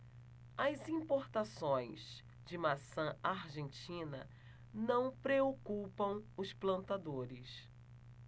as importações de maçã argentina não preocupam os plantadores